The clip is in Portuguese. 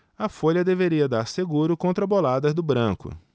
a folha devia dar seguro contra boladas do branco